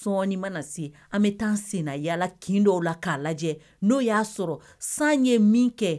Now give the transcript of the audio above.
Sɔɔni mana se an bɛ taa an sen yalala kin dɔw la k'a lajɛ n'o y'a sɔrɔ san ye min kɛ